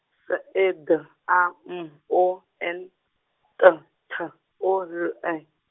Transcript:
S E D A M O N, T H O L E.